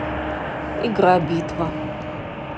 игра битва